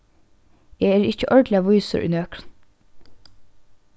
eg eri ikki ordiliga vísur í nøkrum